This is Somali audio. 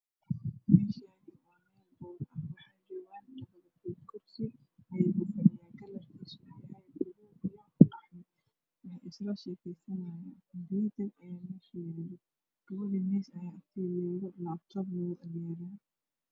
Meeshaani waa meel boor waxaa jooga labo gabdhood kursi ayey ku fadhiyaan kalarkisa buluug qaxwi way isla aheekaysanayaan kumbiitar Aya meesha yaalo laabtoon wuu agyaalo